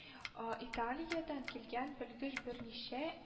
Италиядән килгән белгеч берничә